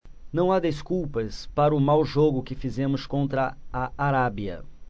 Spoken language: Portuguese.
não há desculpas para o mau jogo que fizemos contra a arábia